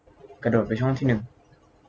กระโดดไปหนึ่งช่อง